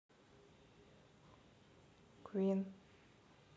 queen